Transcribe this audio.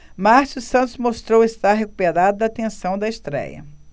márcio santos mostrou estar recuperado da tensão da estréia